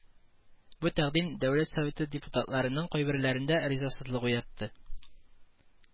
Бу тәкъдим Дәүләт Советы депутатларының кайберләрендә ризасызлык уятты